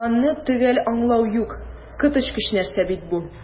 "планны төгәл аңлау юк, коточкыч нәрсә бит бу!"